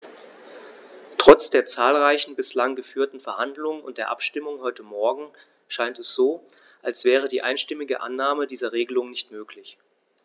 Trotz der zahlreichen bislang geführten Verhandlungen und der Abstimmung heute Morgen scheint es so, als wäre die einstimmige Annahme dieser Regelung nicht möglich.